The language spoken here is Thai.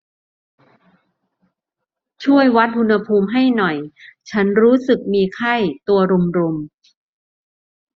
ช่วยวัดอุณหภูมิให้หน่อยฉันรู้สึกมีไข้ตัวรุมรุม